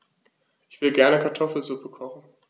Ich will gerne Kartoffelsuppe kochen.